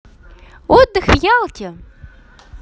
отдых в ялте